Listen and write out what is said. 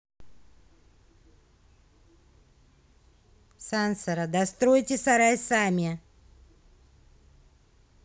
сансара достройте сарай сами